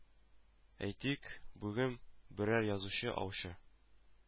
Әйтик, бүген берәр язучы Аучы